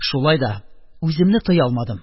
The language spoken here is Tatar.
Шулай да үземне тыя алмадым,